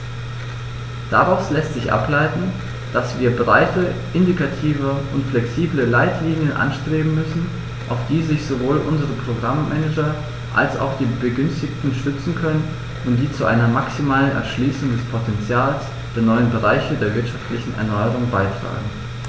Daraus lässt sich ableiten, dass wir breite, indikative und flexible Leitlinien anstreben müssen, auf die sich sowohl unsere Programm-Manager als auch die Begünstigten stützen können und die zu einer maximalen Erschließung des Potentials der neuen Bereiche der wirtschaftlichen Erneuerung beitragen.